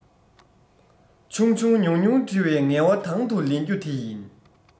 ཆུང ཆུང ཉུང ཉུང འབྲི བའི ངལ བ དང དུ ལེན རྒྱུ དེ ཡིན